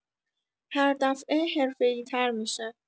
هردفعه حرفه‌ای‌تر می‌شه